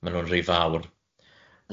Mae nw'n ry fawr.